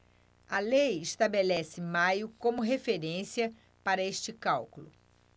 a lei estabelece maio como referência para este cálculo